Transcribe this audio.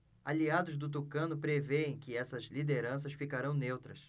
aliados do tucano prevêem que essas lideranças ficarão neutras